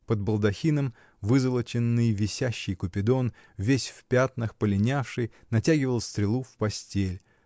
Под балдахином вызолоченный висящий купидон, весь в пятнах, полинявший, натягивал стрелу в постель